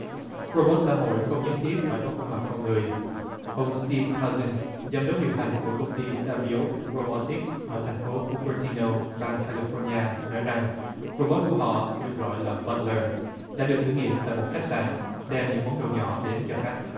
rô bốt xã hội không nhất thiết phải có khuôn mặt con người ông sờ ti kha dưn giám đốc điều hành của công ty xa víu rô bót tích ở thành phố cu pư ti nâu bang ca li phót ni a nói rằng rô bốt của họ được gọi là bót lơ đã được thử nghiệm tại một khách sạn đem những món đồ nhỏ đến cho khách